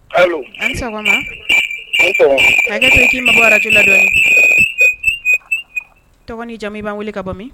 Allo ani sɔgɔma ba ni sɔgɔma hakɛto i k'i mabɔ radio la dɔɔni tɔgɔ ni jamu i b'an wele ka bɔ min